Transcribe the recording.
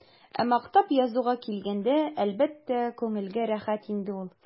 Ә мактап язуга килгәндә, әлбәттә, күңелгә рәхәт инде ул.